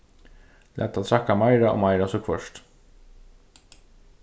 lat tað traðka meira og meira so hvørt